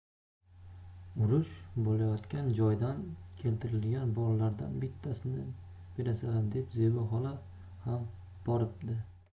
urush bo'layotgan joydan keltirilgan bolalardan bittasini berasanlar deb zebi xola ham boribdi